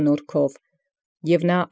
Եւ նորա։